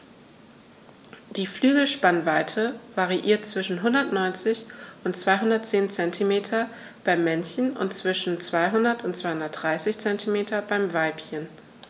Die Flügelspannweite variiert zwischen 190 und 210 cm beim Männchen und zwischen 200 und 230 cm beim Weibchen.